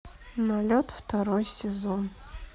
налет второй сезон